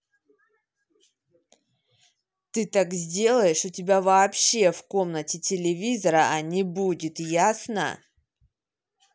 ты так сделаешь у тебя вообще в комнате телевизора а не будет ясно